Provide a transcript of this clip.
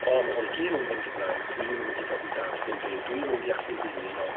O, ma' hwn i gyd yn mynd i fod yn Gymraeg, dwi'm yn mynd i fod yn dallt dim byd, dwi'm yn mynd i allu ddilyn o.